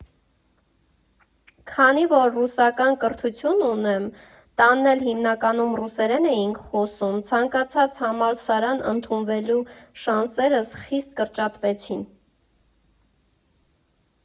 Քանի որ ռուսական կրթություն ունեմ, տանն էլ հիմնականում ռուսերեն էինք խոսում՝ ցանկացած համալսարան ընդունվելու շանսերս խիստ կրճատվեցին։